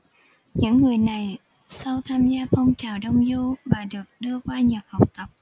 những người này sau tham gia phong trào đông du và được đưa qua nhật học tập